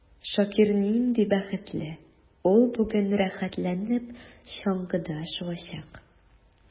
Шакир нинди бәхетле: ул бүген рәхәтләнеп чаңгыда шуачак.